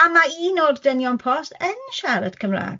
A ma' un o'r dynion post yn siarad Cymrâg